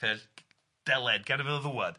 Felly deled gad iddo fo ddŵad.